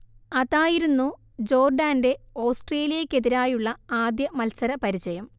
അതായിരുന്നു ജോർഡാന്റെ ഓസ്ട്രേലിയക്കെതിരായുള്ള ആദ്യ മത്സരപരിചയം